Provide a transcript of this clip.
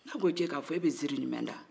n'a ko k'e k'a fɔ e bɛ ziiri jumɛ da